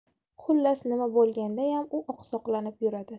xullas nima bo'lgandayam u oqsoqlanib yuradi